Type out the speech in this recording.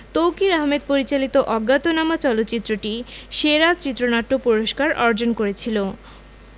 তৌকীর আহমেদ পরিচালিত অজ্ঞাতনামা চলচ্চিত্রটি সেরা চিত্রনাট্য পুরস্কার অর্জন করেছিল